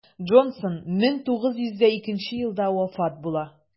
Джонсон 1902 елда вафат була.